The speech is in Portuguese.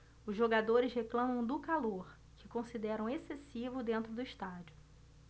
os jogadores reclamam do calor que consideram excessivo dentro do estádio